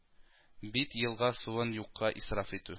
Бит елга суын юкка исраф итү